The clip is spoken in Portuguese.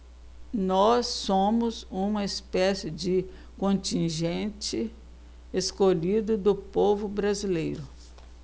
nós somos uma espécie de contingente escolhido do povo brasileiro